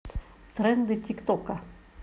тренды тик тока